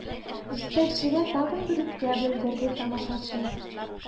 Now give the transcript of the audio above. Җитәкчегә тагын бер үпкә белдерде тамашачы